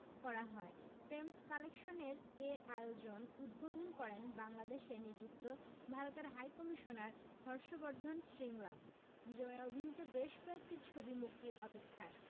করা হয় প্রেমস কালেকশনের এ আয়োজন উদ্বোধন করেন বাংলাদেশে নিযুক্ত ভারতের হাইকমিশনার হর্ষ বর্ধন শ্রিংলা জয়া অভিনীত বেশ কয়েকটি ছবি মুক্তির অপেক্ষায়